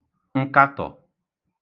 nkatọ̀